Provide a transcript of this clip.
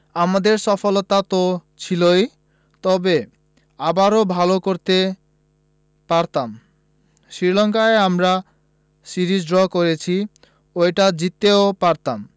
আমাদের সফলতা তো ছিলই তবে আরও ভালো করতে পারতাম শ্রীলঙ্কায় আমরা সিরিজ ড্র করেছি ওটা জিততেও পারতাম